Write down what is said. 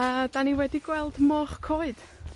A 'dan ni wedi gweld moch coed.